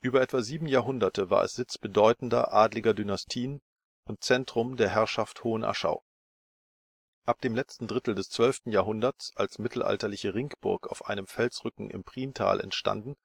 Über etwa sieben Jahrhunderte war es Sitz bedeutender adliger Dynastien und Zentrum der Herrschaft Hohenaschau. Ab dem letzten Drittel des 12. Jahrhunderts als mittelalterliche Ringburg auf einem Felsrücken im Priental entstanden